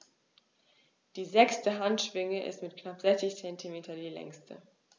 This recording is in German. Die sechste Handschwinge ist mit knapp 60 cm die längste.